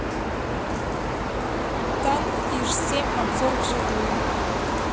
танк иж семь обзор в живую